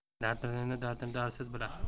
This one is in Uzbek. dardlining dardini dardsiz na bilar